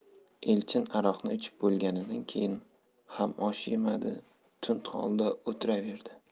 elchin aroqni ichib bo'lganidan keyin ham osh yemadi tund holda o'tiraverdi